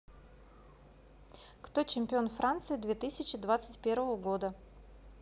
кто чемпион франции две тысячи двадцать первого года